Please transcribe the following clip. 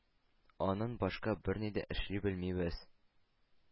Аннан башка берни дә эшли белмибез.